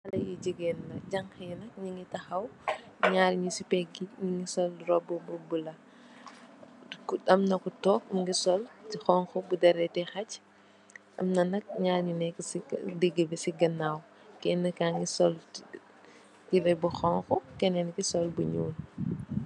Haley yu jigéen leen, jàngha yi nak nungi tahaw, naar ngi ci pègg yi nungi sol rob bulo. Amna ku toog mungi sol honku bu deretu haj. Amna nak ñaar nu nekk ci digi bi ci ganaaw kenn ka ngi sol yiré bu honku, kenen ki sol bu ñuul.